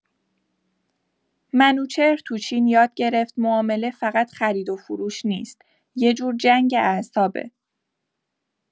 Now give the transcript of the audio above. منوچهر تو چین یاد گرفت معامله فقط خرید و فروش نیست، یه جور جنگ اعصابه.